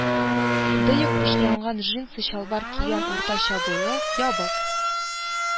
Дый ук пычранган джинсы чалбар кигән уртача буйлы, ябык